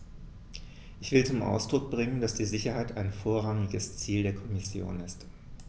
Ich will zum Ausdruck bringen, dass die Sicherheit ein vorrangiges Ziel der Kommission ist.